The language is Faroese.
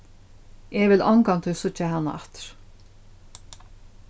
eg vil ongantíð síggja hana aftur